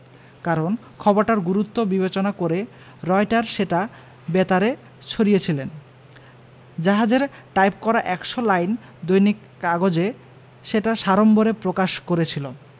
কারণ খবরটার গুরুত্ব বিবেচনা করে রয়টার সেটা বেতারে ছড়িয়েছিলেন জাহাজের টাইপ করা এক শ লাইন দৈনিক কাগজে সেটা সাড়ম্বরে প্রকাশ করেছিল